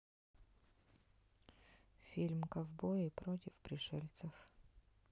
фильм ковбои против пришельцев